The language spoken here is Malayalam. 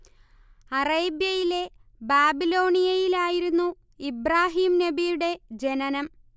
അറേബ്യയിലെ ബാബിലോണിയയിലായിരുന്നു ഇബ്രാഹിം നബിയുടെ ജനനം